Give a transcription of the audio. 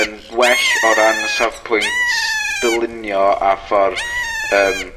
yn well o ran y safpwynt dylunio a ffor yym